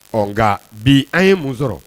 Ɔ nga bi an' ye mun sɔrɔ